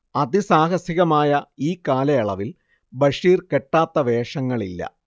അതിസാഹസികമായ ഈ കാലയളവിൽ ബഷീർ കെട്ടാത്ത വേഷങ്ങളില്ല